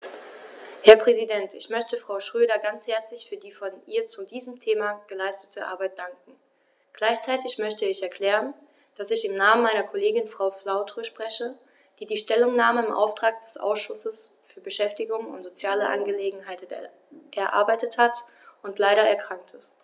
Herr Präsident, ich möchte Frau Schroedter ganz herzlich für die von ihr zu diesem Thema geleistete Arbeit danken. Gleichzeitig möchte ich erklären, dass ich im Namen meiner Kollegin Frau Flautre spreche, die die Stellungnahme im Auftrag des Ausschusses für Beschäftigung und soziale Angelegenheiten erarbeitet hat und leider erkrankt ist.